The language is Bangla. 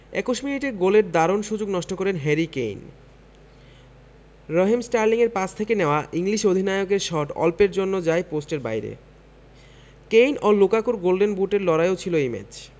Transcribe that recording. ২১ মিনিটে গোলের দারুণ সুযোগ নষ্ট করেন হ্যারি কেইন রহিম স্টার্লিংয়ের পাস থেকে নেওয়া ইংলিশ অধিনায়কের শট অল্পের জন্য যায় পোস্টের বাইরে কেইন ও লুকাকুর গোল্ডেন বুটের লড়াইও ছিল এই ম্যাচ